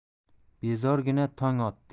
beozorgina tong otdi